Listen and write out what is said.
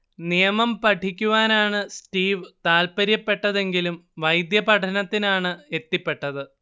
നിയമം പഠിക്കുവാനാണ് സ്റ്റീവ് താൽപര്യപ്പെട്ടതെങ്കിലും വൈദ്യപഠനത്തിനാണ് എത്തിപ്പെട്ടത്